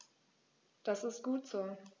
Das ist gut so.